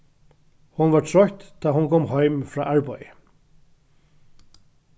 hon var troytt tá hon kom heim frá arbeiði